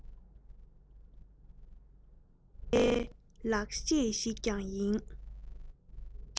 མཛངས པའི ལག རྗེས ཤིག ཀྱང ཡིན